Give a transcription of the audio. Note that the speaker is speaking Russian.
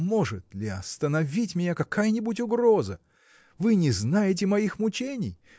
может ли остановить меня какая-нибудь угроза? Вы не знаете моих мучений!